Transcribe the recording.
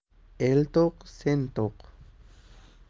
el to'q sen to'q